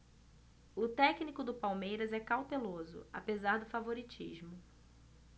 o técnico do palmeiras é cauteloso apesar do favoritismo